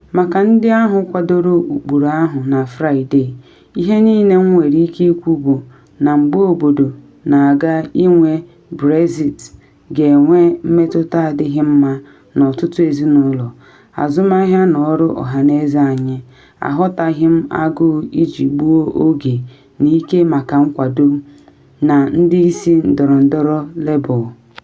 Maka ndị ahụ kwadoro ụkpụrụ ahụ na Fraịde, ihe niile m nwere ike ikwu bụ na mgbe obodo na aga ịnwe Brexit ga-enwe mmetụta adịghị mma n’ọtụtụ ezinụlọ, azụmahịa na ọrụ ọhaneze anyị, aghọtaghị m agụụ iji gbuo oge na ike maka nkwado m na ndị isi ndọrọndọrọ Labour.